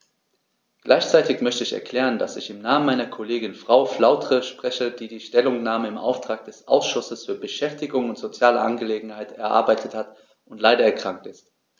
Gleichzeitig möchte ich erklären, dass ich im Namen meiner Kollegin Frau Flautre spreche, die die Stellungnahme im Auftrag des Ausschusses für Beschäftigung und soziale Angelegenheiten erarbeitet hat und leider erkrankt ist.